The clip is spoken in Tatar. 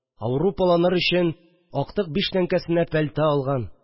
Ауропаланыр өчен актык биш тәңкәсенә пальто алган